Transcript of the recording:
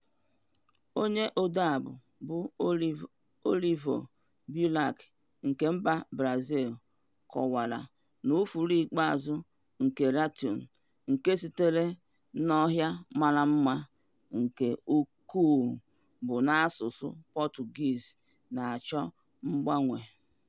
Onye odeabụ bụ Olavo Bilac, nke mba Brazil kọwara "the last flower of Latium, wild and beautiful" bụ na asụsụ Pọtụgis na-achọ ịgbanwe.